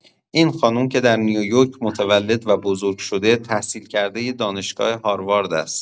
این خانم که در نیویورک متولد و بزرگ‌شده، تحصیلکرده دانشگاه هاروارد است